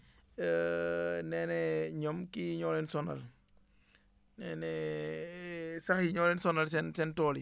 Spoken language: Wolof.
nee na ñoom kii yi ñoo leen sonal nee naa sax yi ñoo leen sonal seen seen tool yi